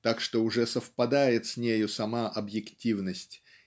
так что уже совпадает с нею сама объективность